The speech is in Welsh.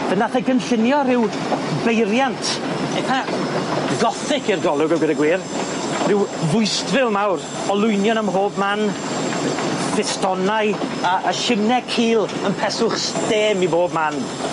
Fe nath e gynllunio ryw beiriant eitha gothic i'r golwg a gweud y gwir, ryw fwystfil mawr olwynion ym mhob man, fistonau a a shimne cul yn peswch stêm i bob man.